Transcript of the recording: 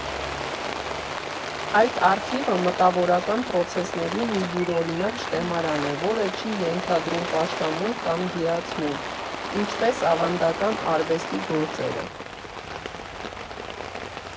Այդ արխիվը մտավորական պրոցեսների մի յուրօրինակ շտեմարան է, որը չի ենթադրում պաշտամունք կամ հիացմունք՝ ինչպես ավանդական արվեստի գործերը։